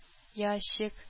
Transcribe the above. Ящик